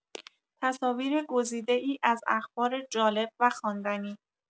تصاویر گزیده‌ای از اخبار جالب و خواندنی